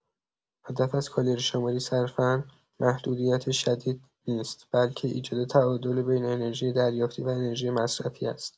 هدف از کالری‌شماری صرفا محدودیت شدید نیست، بلکه ایجاد تعادل بین انرژی دریافتی و انرژی مصرفی است.